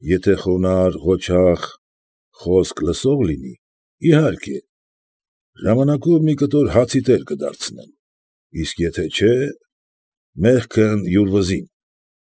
Եթե խոնարհ, ղոչաղ, խոսք լսող կլինի, իհարկե, ժամանակով մի կտոր հացի տեր կդարձնեմ, իսկ եթե չէ ֊ մեղքն յուր վզին։